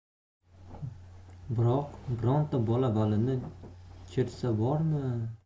biroq bironta bola valini chertsa bormi